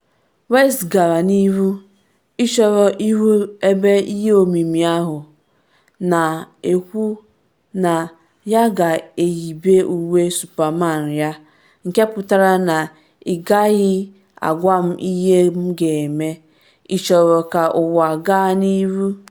West gara n’ihu. “Ị chọrọ ịhụ ebe ihe omimi ahụ?” na-ekwu na ya ga-eyibe uwe superman ya, nke pụtara na ịgaghị agwa m ihe m ga-eme. Ị chọrọ ka ụwa gaa n’ihu?